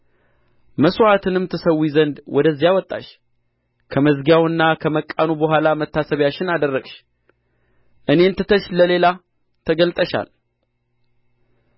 መሥዋዕትንም ትሠዊ ዘንድ ወደዚያ ወጣሽ ከመዝጊያውና ከመቃኑ በኋላ መታሰቢያሽን አደረግሽ እኔን ትተሽ ለሌላ ተገልጠሻል